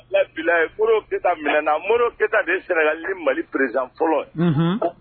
Fila bila mori bɛta minɛna mori keta de sariyali mali prez fɔlɔ